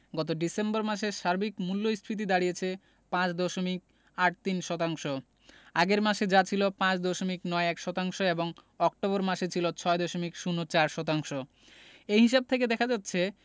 গত ডিসেম্বর মাসে সার্বিক মূল্যস্ফীতি দাঁড়িয়েছে ৫ দশমিক ৮৩ শতাংশ আগের মাসে যা ছিল ৫ দশমিক ৯১ শতাংশ এবং অক্টোবর মাসে ছিল ৬ দশমিক ০৪ শতাংশ এ হিসাব থেকে দেখা যাচ্ছে